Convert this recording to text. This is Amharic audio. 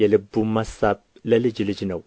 የልቡም አሳብ ለልጅ ልጅ ነው